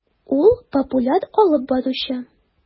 Ул - популяр алып баручы.